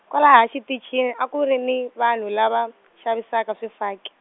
kwalaha xiticini a ku ri ni, vanhu lava , xavisaka swifaki.